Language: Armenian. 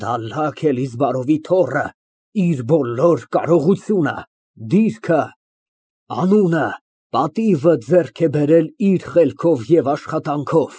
Դալլաք Էլիզբարովի թոռը իր բոլոր կարողությունը, դիրքը, անունը, պատիվը ձեռք է բերել իր խելքով ու աշխատանքով։